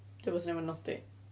'Dio rywbeth i wneud efo Nodi?